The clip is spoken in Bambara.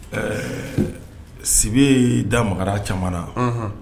Ɛɛ Sibii da magar'a caman na unhun